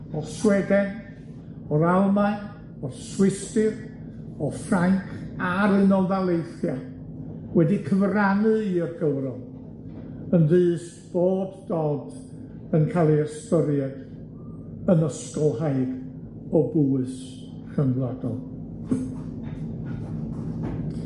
o Sweden, o'r Almaen, o'r Swistir, o Ffrainc, a'r Unol Daleithiau wedi cyfrannu i'r gyfrol, yn ddyst bod Dodd yn ca'l ei ystyried yn ysgolhaig o bwys rhyngwladol.